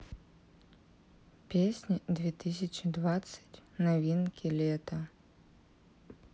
песни две тысячи двадцать новинки лета